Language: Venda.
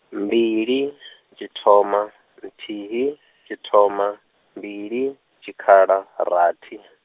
mbili, tshithoma, nthihi, tshithoma, mbili, tshikhala, rathi.